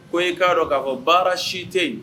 Ko i' k'a dɔn k'a fɔ baara si tɛ yen